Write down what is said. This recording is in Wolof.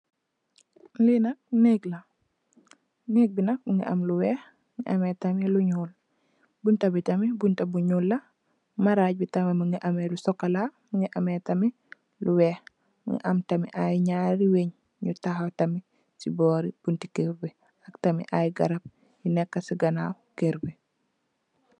Li nak neeg la neeg bi nak mongi ame lu weex ame tamit lu nuul bunta bi tamit bunta bu nuul la marag bi tamit mongi ame lu cxocola la mongi ame tamit li weex mu am tam ay naari weng nyu taxaw tam si bori bunti keur bi ak tamit ay garab yu neka si kanaw keur bi.